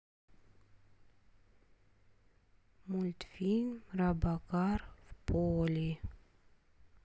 мультфильм робокар в поли